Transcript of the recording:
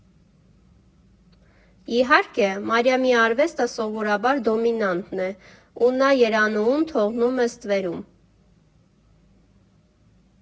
Իհարկե, Մարիամի արվեստը սովորաբար դոմինանտ է, ու նա Երանուհուն թողնում է ստվերում։